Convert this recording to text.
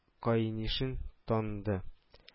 Каенишен таныды